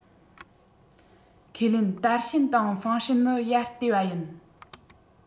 ཁས ལེན དར ཤན དང ཧྥང ཧྲན ནི ཡར བལྟས པ ཡིན